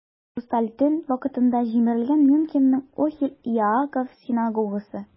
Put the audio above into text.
"хрусталь төн" вакытында җимерелгән мюнхенның "охель яаков" синагогасы.